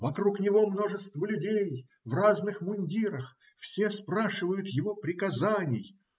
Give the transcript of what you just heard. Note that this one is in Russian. Вокруг него множество людей в разных мундирах; все спрашивают его приказаний.